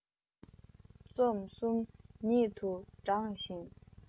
མཁས པའི བྱ བ ལ འཆད རྩོད རྩོམ གསུམ ཉིད དུ བགྲང ཞིང